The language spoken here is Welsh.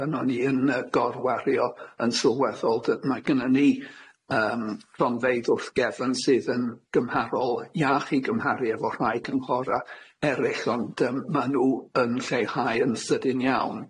pan o'n i yn yy gorwario yn sylweddol dy- mae gynnon ni yym ronfeydd wrth gefn sydd yn gymharol iach i gymharu efo rhai cynghora' erill ond yym ma' nhw yn lleihau yn sydyn iawn.